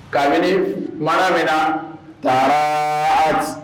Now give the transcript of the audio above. Kabinimini mara min taara